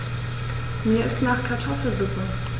Mir ist nach Kartoffelsuppe.